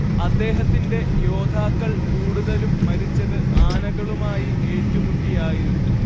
അദ്ദേഹത്തിന്റെ യോദ്ധാക്കൾ കൂടുതലും മരിച്ചത് ആനകളുമായി ഏറ്റുമുട്ടിയായിരുന്നു